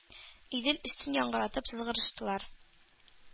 Идел өстен яңгыратып сызгырыштылар.